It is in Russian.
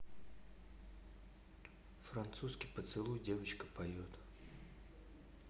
французский поцелуй девочка поет